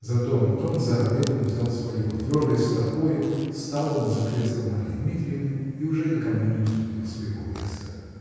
Зато Антон за обедом взял свое: твердой стопою стал он за кресло Марьи Дмитриевны -- и уже никому не уступил своего места.